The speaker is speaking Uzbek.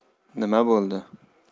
nima bo'ldi